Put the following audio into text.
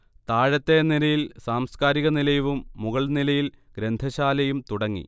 താഴത്തെ നിലയിൽ സാംസ്കാരിക നിലയവും മുകൾനിലയിൽ ഗ്രന്ഥശാലയും തുടങ്ങി